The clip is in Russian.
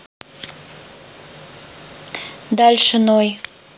дальше ной